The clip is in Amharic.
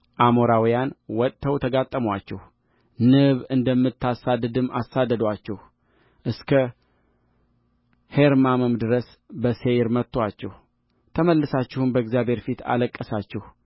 አሞራውያን ወጥተው ተጋጠሙአችሁ ንብ እንደምታሳድድም አሳደዱአችሁ እስከ ሔርማም ድረስ በሴይር መቱአችሁተመልሳችሁም በእግዚአብሔር ፊት አለቀሳችሁ